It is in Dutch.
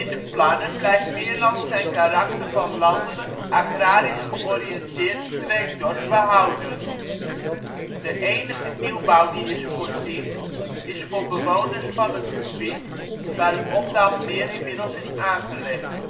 de plannen blijft Meerland zijn karakter van landelijk, agrarisch georiënteerd streekdorp behouden. De enige nieuwbouw die is voorzien is voor bewoners van het gebied waar het Oldambtmeer inmiddels is aangelegd